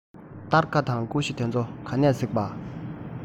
སྟར ཁ དང ཀུ ཤུ དེ ཚོ ག ནས གཟིགས པ